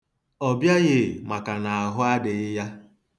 Ọ bịaghị maka n'ahụ adịghị ya.